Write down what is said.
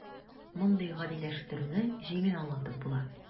Мондый "гадиләштерү"не җиңел аңлатып була: